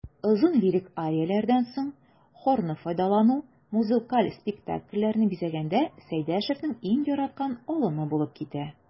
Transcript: Озын лирик арияләрдән соң хорны файдалану музыкаль спектакльләрне бизәгәндә Сәйдәшевнең иң яраткан алымы булып китә.